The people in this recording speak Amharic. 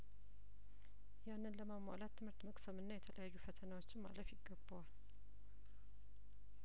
ያንን ለሟሟላት ትምህርት መቅሰምና የተለያዩ ፈተናዎችን ማለፍ ይገባዋል